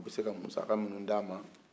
u bɛ se ka musaka min d'a ma